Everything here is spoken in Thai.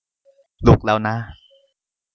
ลุกแล้วนะ